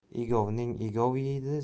egovni egov yeydi